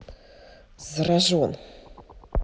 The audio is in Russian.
заражен